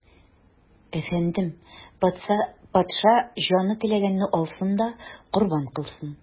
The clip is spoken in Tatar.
Әфәндем, патша, җаны теләгәнне алсын да корбан кылсын.